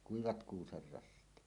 kuivat kuusenrassit